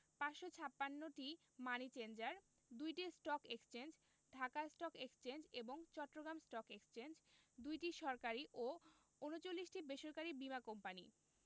৫৫৬টি money changer ২টি stock exchange Dhaka stock exchange এবং চট্টগ্রাম স্টক এক্সচেঞ্জ ২টি সরকারি ও ৩৯টি বেসরকারি বীমা কোম্পানি